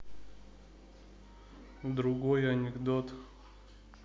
другой анекдот